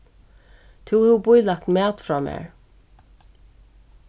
tú hevur bílagt mat frá mær